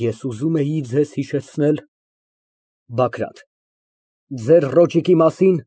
Ես ուզում էի ձեզ հիշեցնել… ԲԱԳՐԱՏ ֊ Ձեր ռոճիկի մասի՞ն։